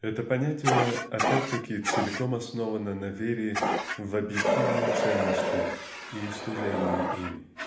Это понятие опять-таки целиком основано на вере в объективные ценности и служении им